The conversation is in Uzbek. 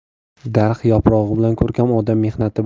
daraxt yaprog'i bilan ko'rkam odam mehnati bilan